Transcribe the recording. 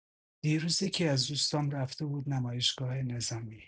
دیروز یکی‌از دوستام رفته بود نمایشگاه نظامی.